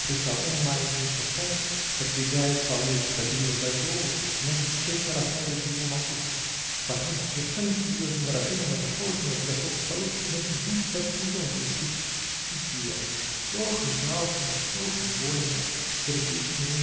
-- закричал он, маленькими шажками подбегая к Володе, схватил его за голову и начал тщательно рассматривать его макушку, потом с совершенно серьезным выражением отошел от него, подошел к столу и начал дуть под клеенку и крестить ее. -- О-ох жалко! о-ох больно!. сердечные.